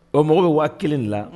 Ɔ mɔgɔ bɛ waa kelen de la